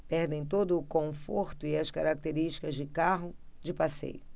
perdem todo o conforto e as características de carro de passeio